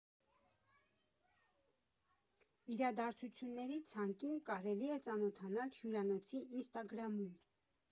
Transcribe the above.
Իրադարձությունների ցանկին կարելի է ծանոթանալ հյուրանոցի ինստագրամում։